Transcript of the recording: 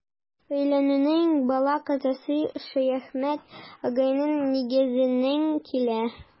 Өйләнүнең бәла-казасы Шәяхмәт агайның нигезеннән килә.